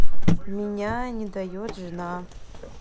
меня не дает жена